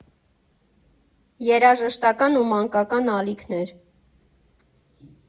Երաժշտական ու մանկական ալիքներ։